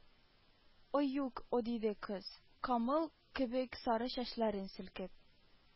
Óюк, óдиде кыз, камыл кебек сары чәчләрен селкеп